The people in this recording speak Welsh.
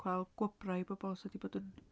Cael gwobrau i bobl sy 'di bod yn...